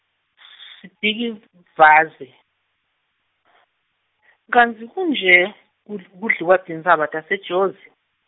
Sibhikiv- -vane , kantsi kunje, kudl- kudliwa tintsaba taseJozi?